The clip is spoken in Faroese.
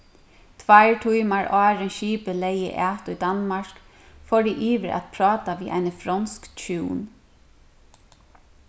tveir tímar áðrenn skipið legði at í danmark fór eg yvir at práta við eini fronsk hjún